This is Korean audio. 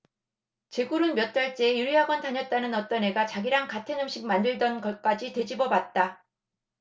제굴은 몇 달째 요리 학원 다녔다는 어떤 애가 자기랑 같은 음식 만들던 것까지 되짚어봤다